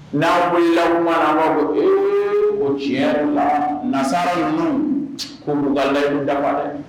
N'an wulila kum la an b'a fɔ ko ee, o tiɲɛ yɛrɛ la nasaara ninnu k'olu y'u ka layidu dafa!